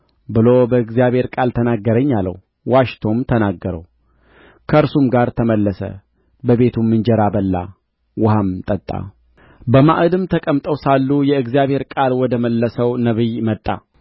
ብሎ በእግዚአብሔር ቃል ተናገረኝ አለው ዋሽቶም ተናገረው ከእርሱም ጋር ተመለሰ በቤቱም እንጀራ በላ ውኃም ጠጣ በማዕድም ተቀምጠው ሳሉ የእግዚአብሔር ቃል ወደ መለሰው ነቢይ መጣ